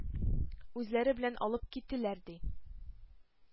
Үзләре белән алып киттеләр, ди,